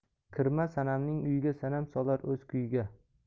kirma sanamning uyiga sanam solar o'z kuyiga